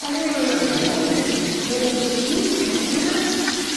O'n i myn' i weud... ar 'u hola nw. Buodd e'n fishi d- do fe?